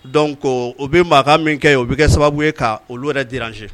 Dɔn ko o bɛ mankan min kɛ ye o bɛ kɛ sababu ye' olu yɛrɛ dranse